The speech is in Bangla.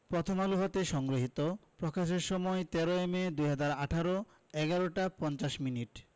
প্রথম আলো হতে সংগৃহীত প্রকাশের সময় ১৩ মে ২০১৮ ১১ টা ৫০ মিনিট